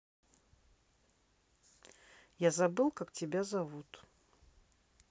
я забыл как тебя зовут